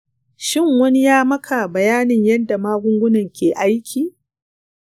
shin wani ya maka bayanin yanda magungunan ke aiki?